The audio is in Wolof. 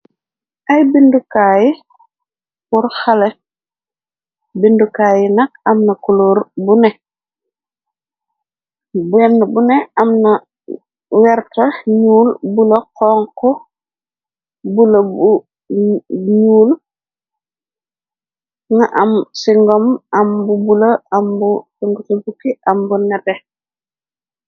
Ay bindukaayi, porxale bindukaayi nak amna kuloor bune, bu ne amna werta, nuul, bula, xonk bula, ñuul, nga am ci ngom, am bu bula, ambu bukki, ambu nete.